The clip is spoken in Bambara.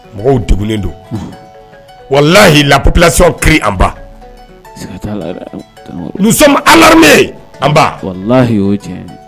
Mɔgɔw degulen don wallahii la population crie en bas sika t'a la nous somme alarmés en bas ,. wallahi o ye cɛn ye.